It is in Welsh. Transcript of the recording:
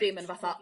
Ddim yn fatha...